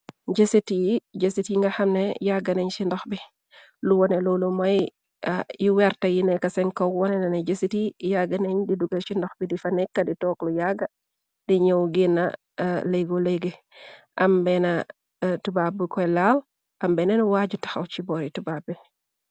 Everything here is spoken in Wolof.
Jessityi jësit yi nga xamne yagga nañ ci ndox bi lu wone loolu moy yu werta yi neka senko wone nane jësit yi yagga nañ di duga ci ndox bi di fa nekka di tooklu yagga di ñëw ginna leggu legge am bena tubab koy laal am beneen waaju taxaw ci boori tuba bi.